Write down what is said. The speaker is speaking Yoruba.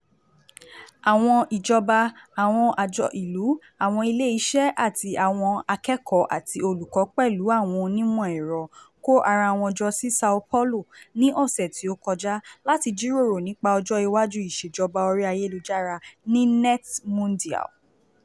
Àwọn ìjọba, àwọn àjọ ìlú, àwọn ilé iṣẹ́, àti àwọn akẹ́kọ̀ọ́ àti olùkọ́ pẹ̀lú àwọn onímọ̀ ẹ̀rọ kó ara wọn jọ ní Sao Paulo ní ọ̀sẹ̀ tí ó kọjá láti jíròrò nípa ọjọ́ iwájú ìṣèjọba orí ayélujára ní NETmundial.